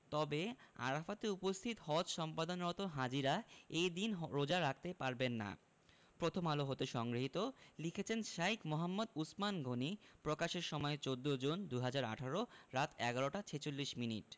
তবে আরাফাতে উপস্থিত হজ সম্পাদনরত হাজিরা এই দিন রোজা রাখতে পারবেন না প্রথমআলো হতে সংগৃহীত লিখেছেন শাঈখ মুহাম্মদ উছমান গনী প্রকাশের সময় ১৪ জুন ২০১৮ রাত ১১টা ৪৬ মিনিট